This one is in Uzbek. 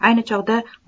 ayni choqda